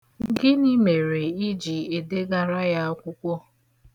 Gịnị mere ị ji edegara ya akwụkwọ?